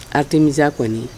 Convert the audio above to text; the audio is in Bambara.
Aw tɛ misa kɔni